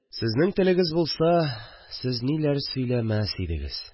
Сезнең телегез булса, сез ниләр сөйләмәс идегез